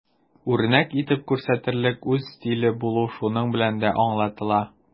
Үрнәк итеп күрсәтерлек үз стиле булу шуның белән дә аңлатыла.